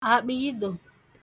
àkpìidò